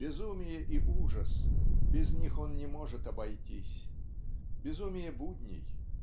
"Безумие и ужас" - без них он не может обойтись. Безумие будней